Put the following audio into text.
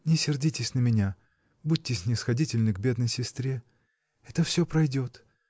Не сердитесь на меня, будьте снисходительны к бедной сестре! Это всё пройдет.